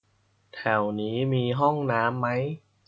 แถวนี้มีห้องน้ำมั้ย